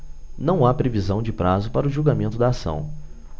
não há previsão de prazo para o julgamento da ação